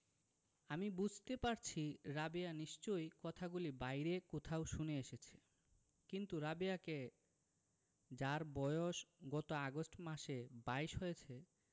আমি বুঝতে পারছি রাবেয়া নিশ্চয়ই কথাগুলি বাইরে কোথাও শুনে এসেছে কিন্তু রাবেয়াকে যার বয়স গত আগস্ট মাসে বাইশ হয়েছে